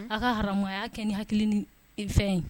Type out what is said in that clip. Aw ka haya kɛ nin hakili ni fɛn ye